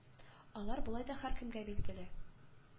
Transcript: Алар болай да һәркемгә билгеле